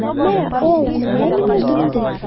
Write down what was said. Мә, ал, менә мин ул дөндек!